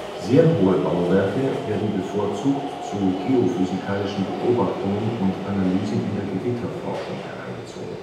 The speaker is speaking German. Sehr hohe Bauwerke werden bevorzugt zu geophysikalischen Beobachtungen und Analysen in der Gewitterforschung herangezogen